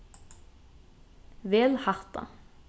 vel hatta